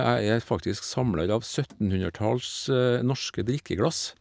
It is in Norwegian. Jeg er faktisk samler av søttenhundretalls norske drikkeglass.